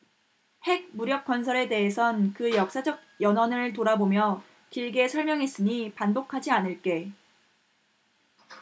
핵무력건설에 대해선 그 역사적 연원을 돌아보며 길게 설명했으니 반복하지 않을게